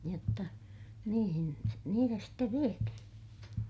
jotta niihin niitä sitten vietiin